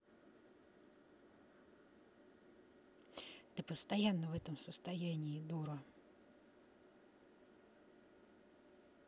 ты постоянно в этом состоянии дура